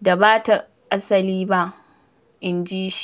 da ba ta asali ba,” inji shi.